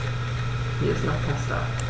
Mir ist nach Pasta.